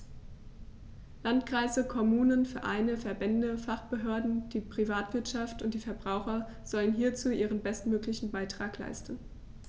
Landkreise, Kommunen, Vereine, Verbände, Fachbehörden, die Privatwirtschaft und die Verbraucher sollen hierzu ihren bestmöglichen Beitrag leisten.